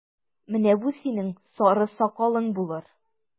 Менә бу синең сары сакалың булыр!